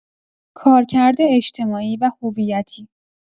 کارکرد اجتماعی و هویتی